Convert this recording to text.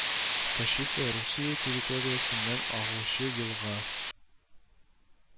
Тощица Русия территориясеннән агучы елга